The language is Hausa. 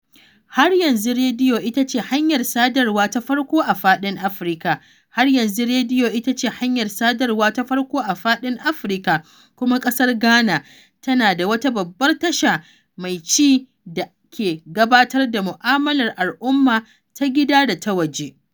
Har yanzu rediyo ita ce hanyar sadarwa ta farko a faɗin Afirka, Har yanzu rediyo ita ce hanyar sadarwa ta farko a faɗin Afirka, kuma ƙasar Ghana tana da wata babbar tasha mai ci da ke gabatar da mu’amalar al’umma ta gida da ta waje.